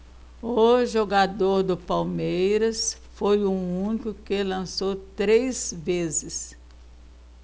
o jogador do palmeiras foi o único que lançou três vezes